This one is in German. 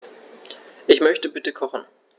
Ich möchte bitte kochen.